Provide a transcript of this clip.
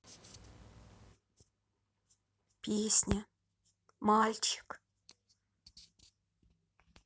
песня мальчик